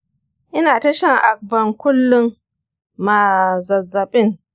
inata shan agbon kullun ma zazzaɓin.